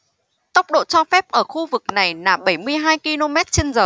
tốc độ cho phép ở khu vực này là bảy mươi hai ki lô mét trên giờ